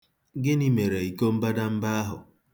Gịnị mere iko mbadamba ahụ?